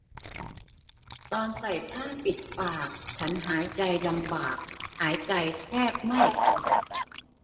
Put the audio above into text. ตอนใส่ผ้าปิดปากฉันหายใจลำบากหายใจแทบไม่ออก